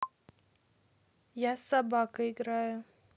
я с собакой играю